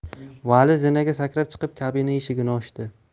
vali zinaga sakrab chiqib kabina eshigini ochdi